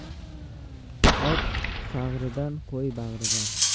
ot sag'ridan qo'y bag'ridan